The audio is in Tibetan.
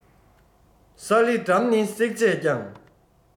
ས ལེ སྦྲམ ནི བསྲེགས བཅད ཀྱང